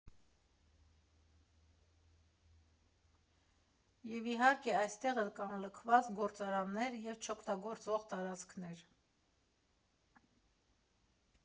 Եվ, իհարկե, այստեղ էլ կան լքված գործարաններ և չօգտագործվող տարածքներ։